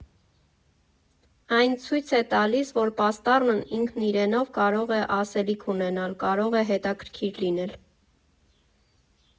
Այն ցույց է տալիս, որ պաստառն ինքն իրենով կարող է ասելիք ունենալ, կարող է հետաքրքիր լինել։